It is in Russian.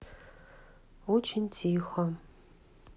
очень тихо